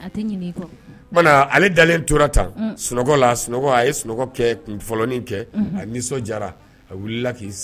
Tora tan sun ye sunɔgɔ kɛ a nisɔn jara a wili